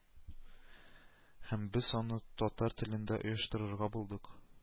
Һәм без аны татар телендә оештырырга булдык